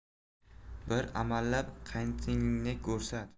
bir amallab qayinsinglingni ko'rsat